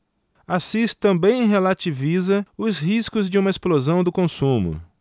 assis também relativiza os riscos de uma explosão do consumo